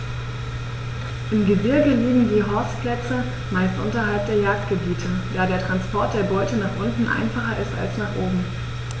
Im Gebirge liegen die Horstplätze meist unterhalb der Jagdgebiete, da der Transport der Beute nach unten einfacher ist als nach oben.